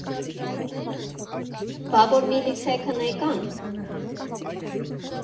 ֊ Բա որ միլիցեքն էկա՞ն։